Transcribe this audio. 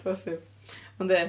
Bosib. Ond ia.